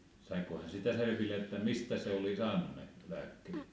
saikohan se sitä selville että mistä se oli saanut ne lääkkeet